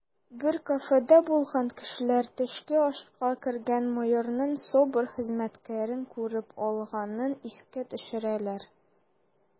Бер кафеда булган кешеләр төшке ашка кергән майорның СОБР хезмәткәрен күреп алганын искә төшерәләр: